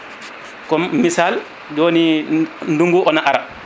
comme missal joni ndungu ono ara